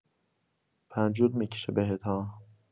پنجول می‌کشه بهت‌ها.